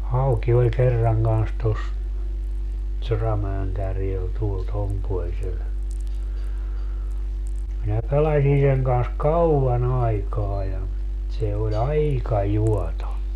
hauki oli kerran kanssa tuossa Soramäen kärjellä tuolla tuon puoleisella minä pelasin sen kanssa kauan aikaa ja se oli aika juoto